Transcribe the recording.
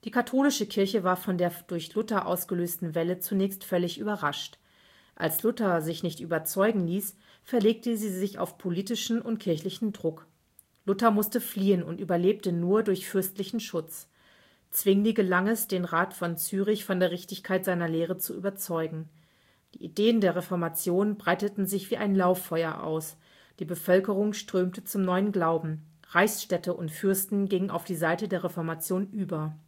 katholische Kirche war von der durch Luther ausgelösten Welle zunächst völlig überrascht. Als Luther sich nicht überzeugen ließ, verlegte sie sich auf politischen und kirchlichen Druck. Luther musste fliehen und überlebte nur durch fürstlichen Schutz. Zwingli gelang es, den Rat von Zürich von der Richtigkeit seiner Lehre zu überzeugen. Die Ideen der Reformation breiteten sich wie ein Lauffeuer aus – die Bevölkerung strömte zum neuen Glauben, Reichsstädte und Fürsten gingen auf die Seite der Reformation über